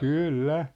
kyllä